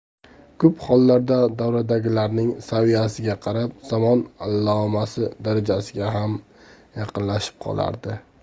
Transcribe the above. ko'p hollarda davradagilarning saviyasiga qarab zamon allomasi darajasiga ham yaqinlashib qolardi